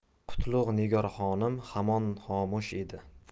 qutlug' nigor xonim hamon xomush edi